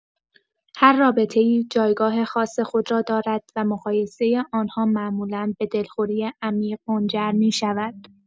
هر رابطه‌ای جایگاه خاص خود را دارد و مقایسه آن‌ها معمولا به دلخوری عمیق منجر می‌شود.